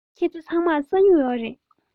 ཁྱེད ཚོ ཚང མར ས སྨྱུག ཡོད རེད